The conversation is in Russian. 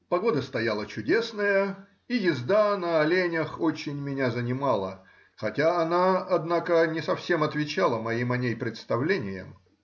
Погода стояла чудесная, и езда на оленях очень меня занимала, хотя она, однако, не совсем отвечала моим о ней представлениям.